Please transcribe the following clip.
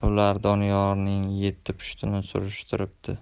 ular doniyorning yetti pushtini surishtiribdi